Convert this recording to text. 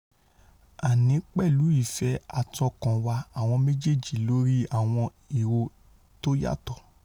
Àní pẹ̀lú ìfẹ́ àtọkànwá àwọn méjèèjì lórí àwọn ihò tóyàtọ̀.